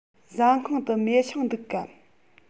ཟ ཁང དུ མེ ཤིང འདུག གམ